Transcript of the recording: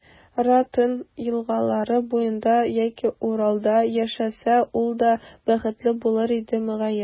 Ра, Тын елгалары буенда яки Уралда яшәсә, ул да бәхетле булыр иде, мөгаен.